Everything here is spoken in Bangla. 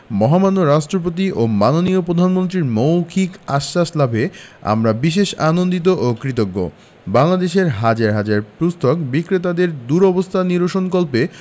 মহামান্য রাষ্ট্রপতি ও মাননীয় প্রধানমন্ত্রীর মৌখিক আশ্বাস লাভে আমরা বিশেষ আনন্দিত ও কৃতজ্ঞ বাংলাদেশের হাজার হাজার পুস্তক বিক্রেতাদের দুরবস্থা নিরসনকল্পে